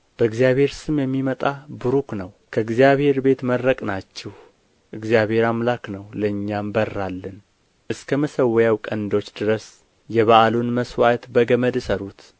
በእግዚአብሔር ስም የሚመጣ ቡሩክ ነው ከእግዚአብሔር ቤት መረቅናችሁ እግዚአብሔር አምላክ ነው ለእኛም በራልን እስከ መሠዊያው ቀንዶች ድረስ የበዓሉን መሥዋዕት በገመድ እሰሩት